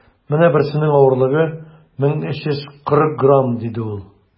- менә берсенең авырлыгы 1340 грамм, - диде ул.